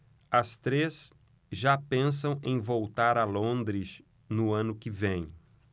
as três já pensam em voltar a londres no ano que vem